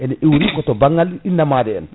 ene iwri to banggal innama aade en